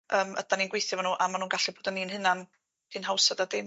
yym ydan ni'n gweithio efo n'w a ma' nw'n gallu bod yn ni'n hunan cyn hawsed â dim